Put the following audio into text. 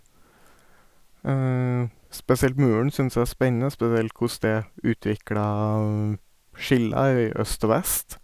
Spesielt muren syns jeg er spennende, spesielt koss det utvikla skiller i øst og vest.